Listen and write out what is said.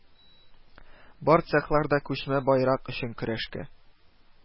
Бар цехлар да күчмә байрак өчен көрәшкә